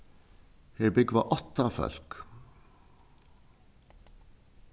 her búgva átta fólk